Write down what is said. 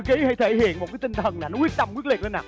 kí hãy thể hiện một cái tinh thần núi quyết tâm quyết liệt lên nào